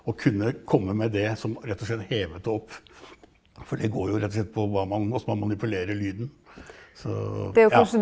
og kunne komme med det som rett og slett hevet det opp for det går jo rett og slett på hva man åssen man manipulerer lyden så ja.